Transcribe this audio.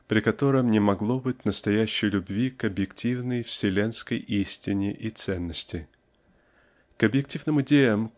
при котором не могло быть настоящей любви к объективной вселенской истине и ценности. К объективным идеям